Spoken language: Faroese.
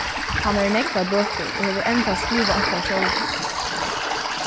hann eigur nógvar bøkur og hevur enntá skrivað onkrar sjálvur